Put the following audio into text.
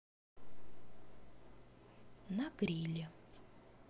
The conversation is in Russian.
на гриле